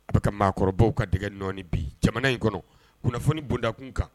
A bɛ ka maakɔrɔbabaww ka dɛgɛ nɔɔni bi jamana in kɔnɔ kunnafoni bondakun kan